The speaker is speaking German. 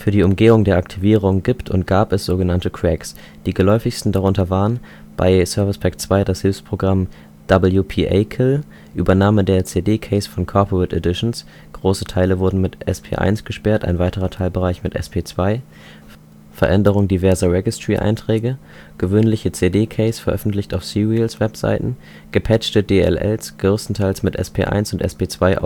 die Umgehung der Aktivierung gibt und gab es sogenannte Cracks, die geläufigsten darunter waren: bis SP2 das Hilfsprogramm „ WPAKill “Übernahme der CD-Keys von Corporate Editions; große Teile wurden mit SP1 gesperrt, ein weiterer Teilbereich mit SP2 Veränderung diverser Registry-Einträge gewöhnliche CD-Keys, veröffentlicht auf Serialz-Webseiten gepatchte DLLs; größtenteils mit SP1 und SP2 ausgesperrt